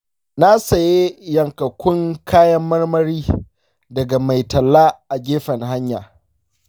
na saye yankakkun kayan marmari daga mai talla a gefen hanya.